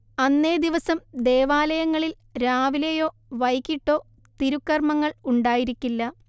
അന്നേ ദിവസം ദേവാലയങ്ങളിൽ രാവിലെയോ വൈകീട്ടോ തിരുക്കർമ്മങ്ങൾ ഉണ്ടായിരിക്കില്ല